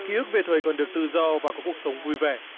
kí ức về thời còn được tự do và có cuộc sống vui vẻ